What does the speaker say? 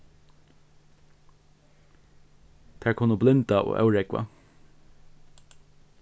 tær kunnu blinda og órógva